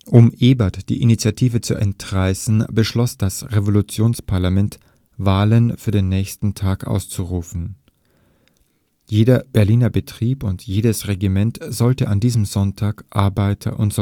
Um Ebert die Initiative zu entreißen, beschloss das Revolutionsparlament, Wahlen für den nächsten Tag auszurufen: Jeder Berliner Betrieb und jedes Regiment sollte an diesem Sonntag Arbeiter - und